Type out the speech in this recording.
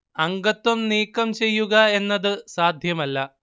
അംഗത്വം നീക്കം ചെയ്യുക എന്നത് സാധ്യമല്ല